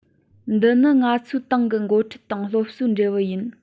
འདི ནི ང ཚོའི ཏང གི འགོ ཁྲིད དང སློབ གསོའི འབྲས བུ ཡིན